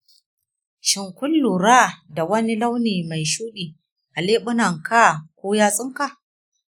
shin kun lura da wani launi mai shuɗi a leɓunanka ko yatsunka?